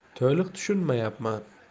to'liq tushunmayapman